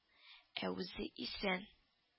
Ә үзе исән